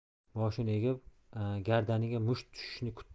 boshini egib gardaniga musht tushishini kutdi